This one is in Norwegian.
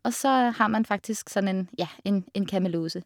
Og så har man faktisk sånn en, ja, en en Kamelose.